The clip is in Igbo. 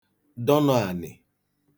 dọnọ anị